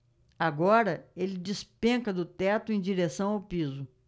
agora ele despenca do teto em direção ao piso